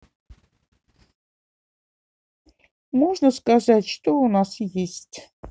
можно сказать что у нас есть